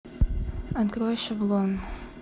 открой шаблон